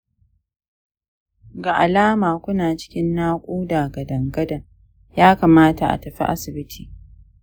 ga alama ku na cikin naƙuda gadan-gadan, ya kamata ku tafi asibiti